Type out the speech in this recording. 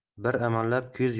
bir amallab ko'z